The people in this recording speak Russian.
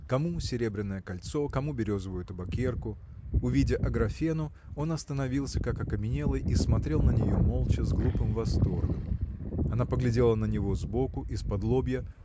кому серебряное кольцо, кому березовую табакерку. Увидя Аграфену он остановился как окаменелый и смотрел на нее молча с глупым восторгом. Она поглядела на него сбоку исподлобья